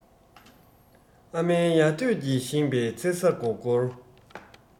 ཨ མའི ཡ ཐོད ཀྱིས བཞེངས པའི མཚེར ས སྒོར སྒོར